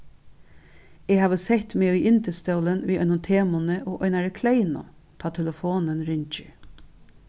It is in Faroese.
eg havi sett meg í yndisstólin við einum temunni og einari kleynu tá telefonin ringir